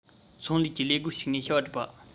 ཚོང ལས ཀྱི ལས སྒོར ཞུགས ནས བྱ བ སྒྲུབ པ